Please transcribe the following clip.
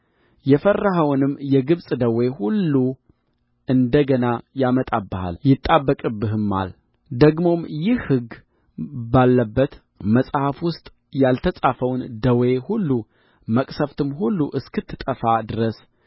የፈራኸውንም የግብፅ ደዌ ሁሉ እንደ ገና ያመጣብሃል ይጣበቅብህማል ደግሞም ይህ ሕግ ባለበት መጽሐፍ ውስጥ ያልተጻፈውን ደዌ ሁሉ መቅሠፍትም ሁሉ እስክትጠፋ ድረስ